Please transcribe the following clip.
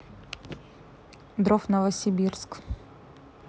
дров новосибирск